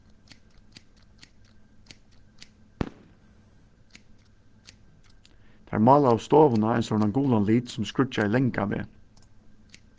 teir málaðu stovuna ein sovorðnan gulan lit sum skríggjaði langan veg